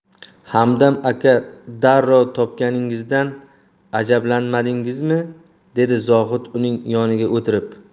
hamdam aka darrov topganingizdan ajablanmadingizmi dedi zohid uning yoniga o'tirib